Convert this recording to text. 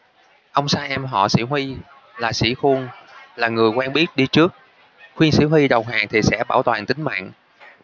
ông sai em họ sĩ huy là sĩ khuông là người quen biết đi trước khuyên sĩ huy đầu hàng thì sẽ bảo toàn tính mạng